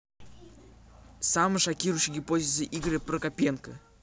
самые шокирующие гипотезы игоря прокопенко